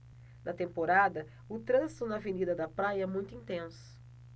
na temporada o trânsito na avenida da praia é muito intenso